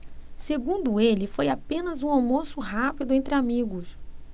segundo ele foi apenas um almoço rápido entre amigos